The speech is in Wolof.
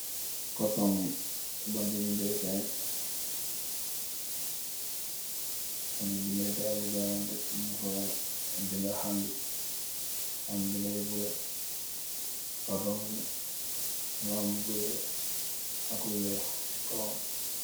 Carton yi, ban bandi bindeekaay, banti bindeekaay bu garanti, mug fa binda xandi am bindayi bula. Carton gi, mu am buleer ak lu weex chi wam.